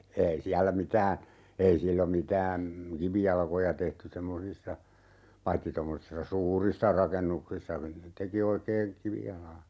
ei siellä mitään ei silloin mitään kivijalkoja tehty semmoisissa paitsi tuommoisissa suurissa rakennuksissa teki oikein kivijalan